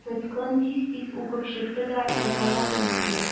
Тоткын тиз-тиз укып чыкты да язарга кереште.